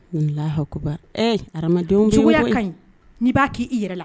N lahakubadenw ka ɲi n b'a k'i i yɛrɛ la